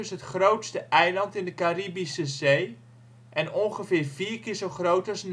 het grootste eiland in de Caribische Zee, en ongeveer vier keer zo groot als Nederland